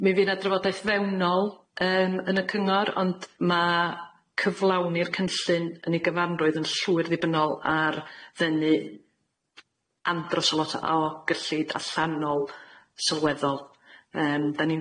Mi fu' na drafodaeth fewnol yym yn y cyngor ond ma' cyflawni'r cynllun yn ei gyfanrwydd yn llwyr ddibynnol ar ddenu andros o lot o gyllid allanol sylweddol yym dan ni'n